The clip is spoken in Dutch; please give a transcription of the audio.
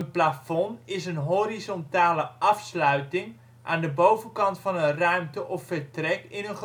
plafond is een horizontale afsluiting aan de bovenkant van een ruimte of vertrek in een gebouw